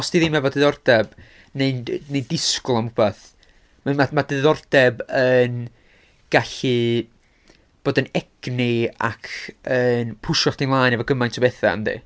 Os ti ddim efo diddordeb, neu'n neu'n disgwyl am rywbeth, mae mae mae diddordeb yn gallu bod yn egni ac yn pwsio chdi mlaen efo gymaint o bethau yndi.